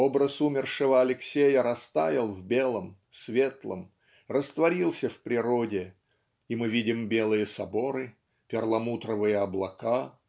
Образ умершего Алексея растаял в белом светлом растворился в природе и мы видим белые соборы перламутровые облака